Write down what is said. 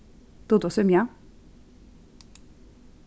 dugir tú at svimja